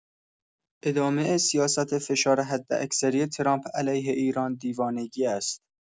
ادامه سیاست فشار حداکثری ترامپ علیه ایران دیوانگی است.